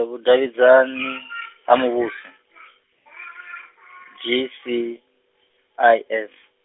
vhudavhidzani, ha muvhuso, G C I S.